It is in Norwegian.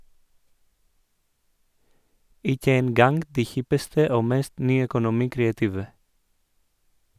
Ikke en gang de hippeste og mest nyøkonomi-kreative.